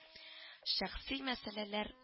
Шәхси мәсьәләләр